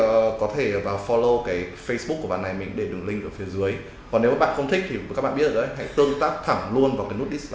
ờ thế thì có thể vào follow cái facebook của bạn này mik để đường link ở phía dưới còn nếu mấy bạn k thích thì mấy bạn biết rồi đấy tương tác thẳng luôn vào nhấn dislike